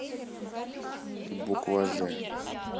буква ж